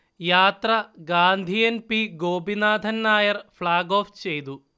യാത്ര Gandhian P Gopinathan Nair flag off ചെയ്തു